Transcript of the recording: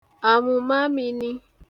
àmụ̀mamīnī